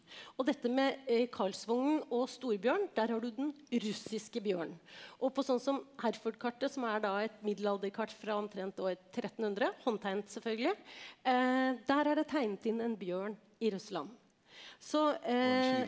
og dette med Karlsvognen og Store bjørn der har du den russiske bjørnen og på sånn som Herefordkartet som er da et middelalderkart fra omtrent år 1300 håndtegnet selvfølgelig der er det tegnet inn en bjørn i Russland så .